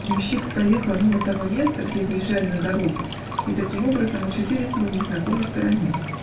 ямщик проехал мимо того места, где выезжали на дорогу, и таким образом очутились мы в незнакомой стороне.